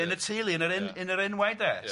yn y teulu yn yr yn yn yr enwau de. Ia.